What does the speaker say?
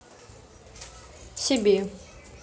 себе